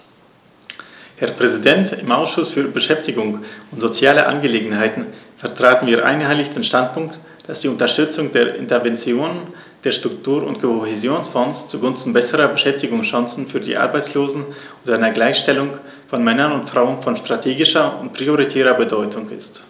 Herr Präsident, im Ausschuss für Beschäftigung und soziale Angelegenheiten vertraten wir einhellig den Standpunkt, dass die Unterstützung der Interventionen der Struktur- und Kohäsionsfonds zugunsten besserer Beschäftigungschancen für die Arbeitslosen und einer Gleichstellung von Männern und Frauen von strategischer und prioritärer Bedeutung ist.